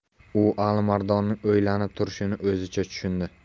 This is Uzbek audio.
u alimardonning o'ylanib turishini o'zicha tushundi